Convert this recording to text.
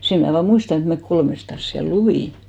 sen minä vain muistan että me kolmestaan siellä luimme